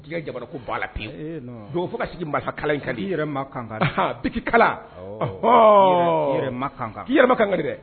Jamana ko ba la kɛ don fo ka sigi marifa kan i yɛrɛ ma kan biki kala maka i yɛrɛ kankari dɛ